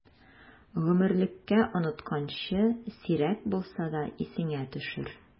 Гомерлеккә онытканчы, сирәк булса да исеңә төшер!